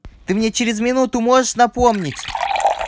ты мне через минуту можешь напомнить